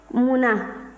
mun na